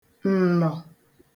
nnọ̀